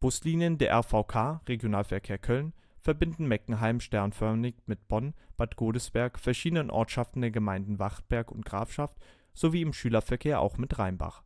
Buslinien der RVK (Regionalverkehr Köln) verbinden Meckenheim sternförmig mit Bonn, Bad Godesberg, verschiedenen Ortschaften der Gemeinden Wachtberg und Grafschaft sowie im Schülerverkehr auch mit Rheinbach.